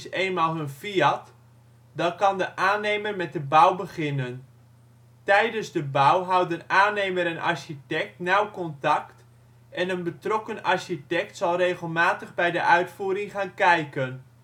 eenmaal hun fiat, dan kan de aannemer met de bouw beginnen. Tijdens de bouw houden aannemer en architect nauw contact, en een betrokken architect zal regelmatig bij de uitvoering gaan kijken